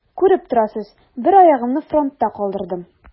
Күреп торасыз: бер аягымны фронтта калдырдым.